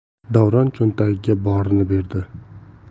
davron cho'ntagida borini berdi